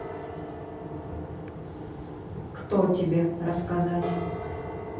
кто тебе рассказать